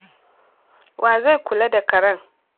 Wa zai kula da karen?